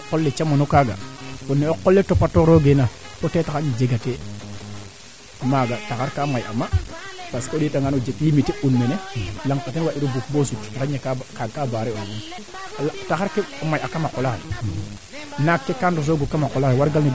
d' accord le choix des parcelle aussi i nga'a maak we aussi a ndeetooga ye manaam a tamba ke fagun faak no laŋ keeke a mbaaxka a mbaaxka xayna de njemo a ñim mene a ñim mene ndax boo ndiik nuna mbiyano yo